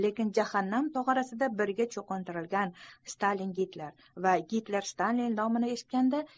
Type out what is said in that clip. lekin jahannam tog'orasida birga cho'qintirilgan stalingitler va gitlerstalin nomini eshitganda